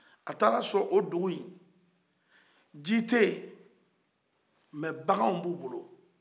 a taara sɔrɔ o dugu in ji tɛ yen mɛ baganw b'u bolo